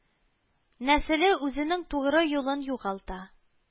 Нәселе үзенең тугры улын югалта